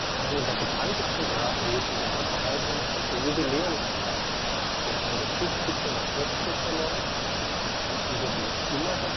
Eine der bekanntesten Gratrouten der Ostalpen ist der Jubiläumsgrat, der von der Zugspitze nach Osten verläuft und über die Innere